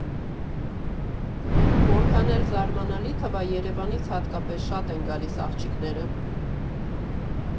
Որքան էլ զարմանալի թվա, Երևանից հատկապես շատ են գալիս աղջիկները։